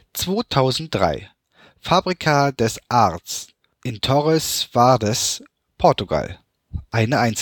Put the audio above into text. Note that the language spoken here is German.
2003: Fabrica das artes, Torres Vedras, Portugal (EA